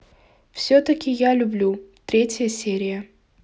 все таки я люблю третья серия